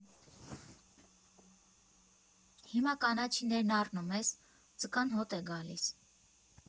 Հիմա կանաչիներն առնում ես, ձկան հոտ է գալիս.